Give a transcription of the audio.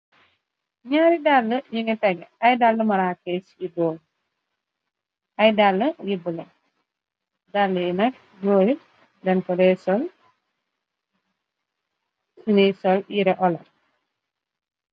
Ñaari dàll yi nga tage ay dàll morakees yi door ay dàll ribble dall yi nax gooyr dan ko le sol siniy sol yire olar.